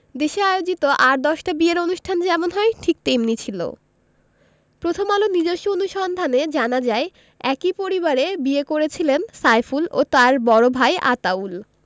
দেশে আয়োজিত আর দশটা বিয়ের অনুষ্ঠান যেমন হয় ঠিক তেমনি ছিল প্রথম আলোর নিজস্ব অনুসন্ধানে জানা যায় একই পরিবারে বিয়ে করেছিলেন সাইফুল ও তাঁর বড় ভাই আতাউল